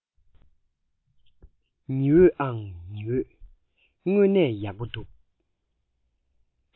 ཉི འོད ཨང ཉི འོད དངོས གནས ཡག པོ འདུག